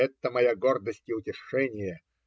Это моя гордость и утешение.